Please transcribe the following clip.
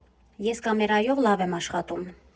Ես կամերայով լավ եմ աշխատում.